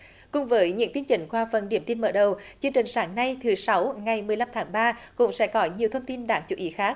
cùng với những tin chính qua phần điểm tin mở đầu chương trình sáng nay thứ sáu ngày mười lăm tháng ba cũng sẽ có nhiều thông tin đáng chú ý khác